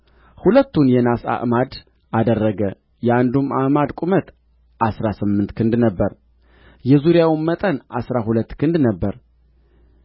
ሁለቱን የናስ አዕማድ አደረገ የአንዱም ዓምድ ቁመት አሥራ ስምንት ክንድ ነበረ የዙሪያውም መጠን አሥራ ሁለት ክንድ ነበረ